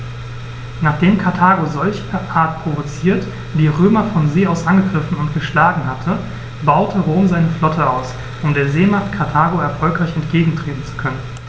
Nachdem Karthago, solcherart provoziert, die Römer von See aus angegriffen und geschlagen hatte, baute Rom seine Flotte aus, um der Seemacht Karthago erfolgreich entgegentreten zu können.